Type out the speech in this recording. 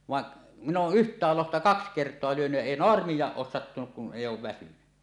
vaan minä olen yhtäkin lohta kaksi kertaa lyönyt ja ei naarmuakaan ole sattunut kun ei ole väsynyt